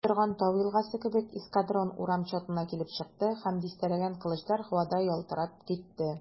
Котырган тау елгасы кебек эскадрон урам чатына килеп чыкты, һәм дистәләгән кылычлар һавада ялтырап китте.